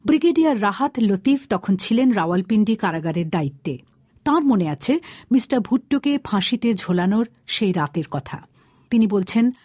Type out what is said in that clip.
brigadier Rahat Latif তখন ছিলেন রাওয়ালপিন্ডি কারাগারের দায়িত্বে তার মনে আছে মিস্টার ভুট্টোকে ফাঁসিতে ঝুলানোর সেই রাতের কথা তিনি বলছেন